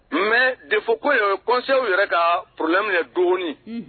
Mɛ de fɔ ko yɛrɛ ye kɔsow yɛrɛ ka plenmuya dumuni